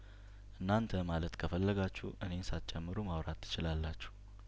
እናንተ ማለት ከፈለጋችሁ እኔን ሳትጨምሩ ማውራት ትችላላችሁ